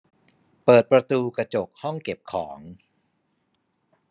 เปิดประตูกระจกห้องเก็บของ